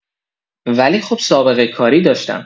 ولی خب سابقه کاری داشتم